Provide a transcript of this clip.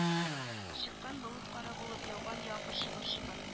Чыккан болыт кара булып яуган яңгыр шыбыр-шыбыр